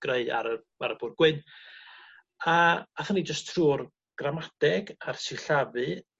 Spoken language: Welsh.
greu ar y ar y bwr' gwyn a athon ni jyst trw'r gramadeg a'r sillafu